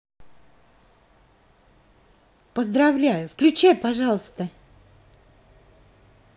поздравляю включай пожалуйста